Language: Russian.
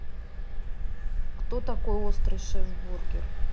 кто такой острый шеф бургер